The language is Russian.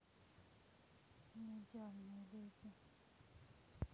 неидеальные люди